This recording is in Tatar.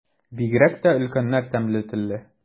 Бигрәк тә өлкәннәр тәмле телле.